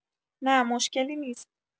نه، مشکلی نیست.